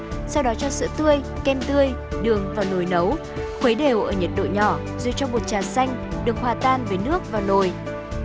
sau đó cho sữa tươi kem tươi đường vào nồi nấu khuấy đều ở nhiệt độ nhỏ rồi cho bột trà xanh được hòa tan với nước vào nồi